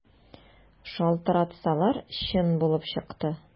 Шалтыратсалар, чын булып чыкты.